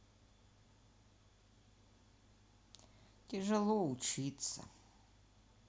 тяжело учиться